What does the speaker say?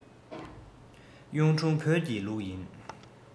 གཡུང དྲུང བོན གྱི ལུགས ཡིན